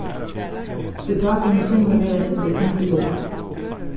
tí tá kunnu summi vera eitt sindur tung í huga